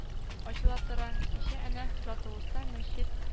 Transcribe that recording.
Ачыла тора, кичә әнә златоустта мәчет